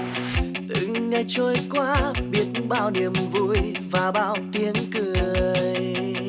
từng ngày trôi qua biết bao niềm vui và bao tiếng cười